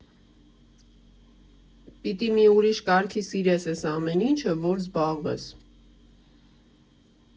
Պիտի մի ուրիշ կարգի սիրես էս ամեն ինչը, որ զբաղվես։